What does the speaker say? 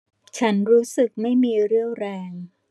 ฉันรู้สึกไม่มีเรี่ยวแรง